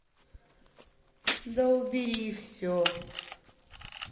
да убери все